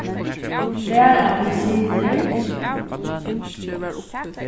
tvær appilsinir